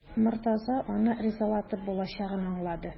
Мортаза аны ризалатып булачагын аңлады.